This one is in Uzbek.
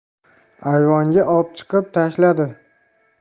ayvonga opchiqib tashladi